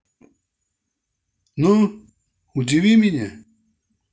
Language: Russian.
ну удиви меня